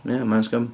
Ia, mae o'n scum.